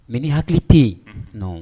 Mɛ ni hakili tɛ nɔ